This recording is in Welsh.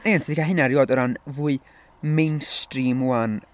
Ie ti 'di cael hynna erioed o ran fwy mainstream 'ŵan.